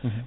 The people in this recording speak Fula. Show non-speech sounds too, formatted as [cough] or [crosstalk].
[hesitation] [hesitation]